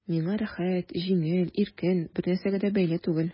Миңа рәхәт, җиңел, иркен, бернәрсәгә дә бәйле түгел...